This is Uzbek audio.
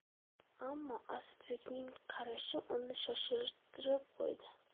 ammo asadbekning qarashi uni shoshirib qo'ydi